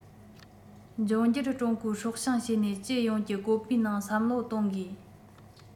འབྱུང འགྱུར ཀྲུང གོའི སྲོག ཤིང བྱེད ནས སྤྱི ཡོངས ཀྱི བཀོད པའི ནང བསམ བློ གཏོང དགོས